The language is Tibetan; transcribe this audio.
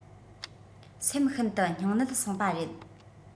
སེམས ཤིན དུ སྙིང ནད སངས པ རེད